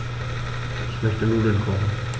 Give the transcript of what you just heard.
Ich möchte Nudeln kochen.